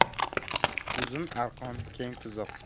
uzun arqon keng tuzoq